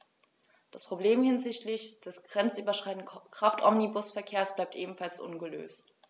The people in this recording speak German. Das Problem hinsichtlich des grenzüberschreitenden Kraftomnibusverkehrs bleibt ebenfalls ungelöst.